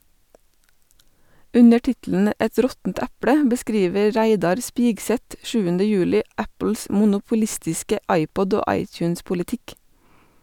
Under tittelen "Et råttent eple" beskriver Reidar Spigseth 7. juli Apples monopolistiske iPod- og iTunes-politikk.